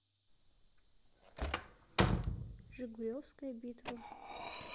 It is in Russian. жигулевская битва